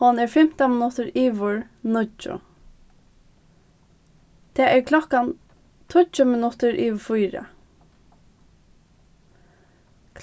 hon er fimtan minuttir yvir níggju tað er klokkan tíggju minuttir yvir fýra